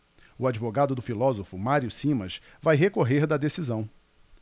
o advogado do filósofo mário simas vai recorrer da decisão